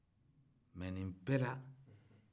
mais nin bɛɛ la